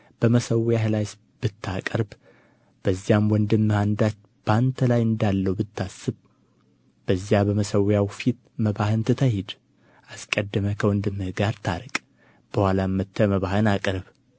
በመሠዊያው ላይ ብታቀርብ በዚያም ወንድምህ አንዳች በአንተ ላይ እንዳለው ብታስብ በዚያ በመሠዊያው ፊት መባህን ትተህ ሂድ አስቀድመህም ከወንድምህ ጋር ታረቅ በኋላም መጥተህ መባህን አቅርብ